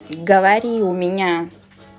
говори у меня